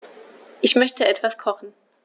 Ich möchte etwas kochen.